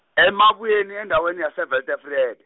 eMabuyeni endaweni yase- Weltevrede.